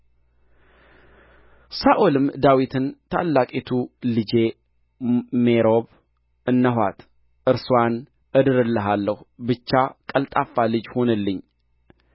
ሳኦልም ዳዊትን ታላቂቱ ልጄ ሜሮብ እነኋት እርስዋን እድርልሃለሁ ብቻ ቀልጣፋ ልጅ ሁንልኝ